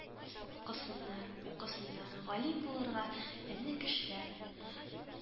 - укысыннар, укысыннар, галим булырга эне-кәшләр